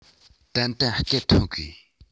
ཏན ཏན སྐད ཐོན དགོས